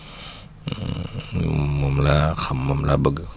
moom laa xam moom laa bëgg